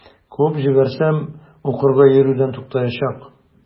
Куып җибәрсәм, укырга йөрүдән туктаячак.